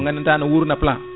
ko gandanta ne wurna plan